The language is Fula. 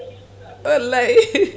wallay